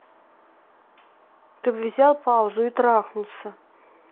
ты бы взял паузу и трахнулся